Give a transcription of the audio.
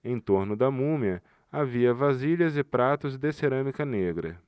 em torno da múmia havia vasilhas e pratos de cerâmica negra